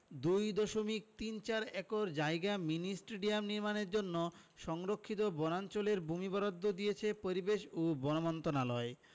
২ দশমিক তিন চার একর জায়গা মিনি স্টেডিয়াম নির্মাণের জন্য সংরক্ষিত বনাঞ্চলের ভূমি বরাদ্দ দিয়েছে পরিবেশ ও বন মন্ত্রণালয়